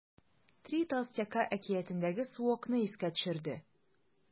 “три толстяка” әкиятендәге суокны искә төшерде.